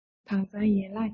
དྭངས གཙང ཡན ལག བརྒྱད ལྡན